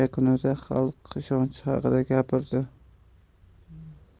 yakunida xalq ishonchi haqida gapirdi